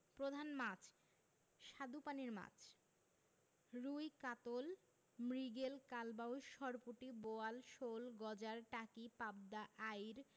প্রধান মাছঃ স্বাদুপানির মাছ রুই কাতল মৃগেল কালবাউস সরপুঁটি বোয়াল শোল গজার টাকি পাবদা আইড়